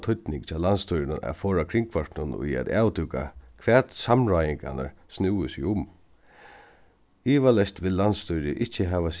týdning hjá landsstýrinum at forða kringvarpinum í at avdúka hvat samráðingarnar snúðu seg um ivaleyst vil landsstýrið ikki hava